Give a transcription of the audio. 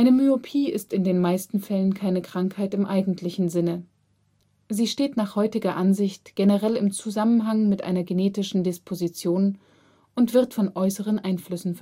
Myopie ist in den meisten Fällen keine Krankheit im eigentlichen Sinne. Sie steht nach heutiger Ansicht generell im Zusammenhang mit einer genetischen Disposition und wird von äußeren Einflüssen